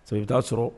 Sabu i be taa sɔrɔ